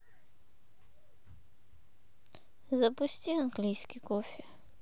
запусти английский кофе